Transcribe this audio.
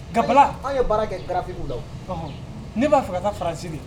Kabila an ye baara kɛfinw la ne b'a faga ka taa fararansiri